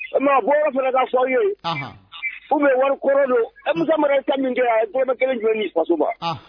O tuma a bɔ yɔrɔ fana ka fɔ aw ye, Anhan, ou bien wari kɔrɔ don.,e Musa Mara ye temps min kɛ yan, a ye dɔrɔmɛ 1 joli di faso ma?